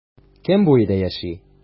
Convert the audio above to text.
Кем бу өйдә яши?